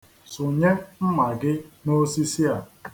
Sụnye mma gị n'osisi a.